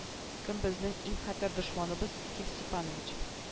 Кем безнең иң хәтәр дошманыбыз яким степанович